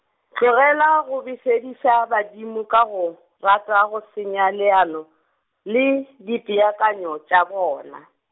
tlogela go befediša badimo ka go, rata go senya leano, le dipeakanyo tša bona.